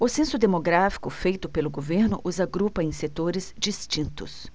o censo demográfico feito pelo governo os agrupa em setores distintos